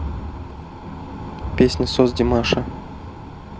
песня sos димаша